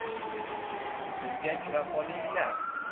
uyga kiraqolinglar